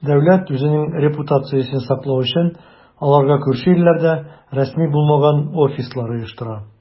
Дәүләт, үзенең репутациясен саклау өчен, аларга күрше илләрдә рәсми булмаган "офислар" оештыра.